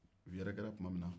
u yɛrɛkɛra tuma minna